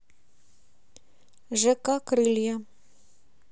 жк крылья